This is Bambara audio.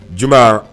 Juma